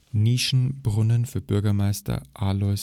Nischenbrunnen für Bürgermeister Alois